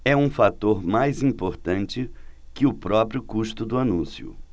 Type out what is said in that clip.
é um fator mais importante que o próprio custo do anúncio